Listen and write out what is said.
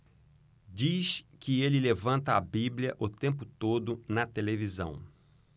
diz que ele levanta a bíblia o tempo todo na televisão